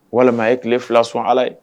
Walima a ye tile fila sɔn ala ye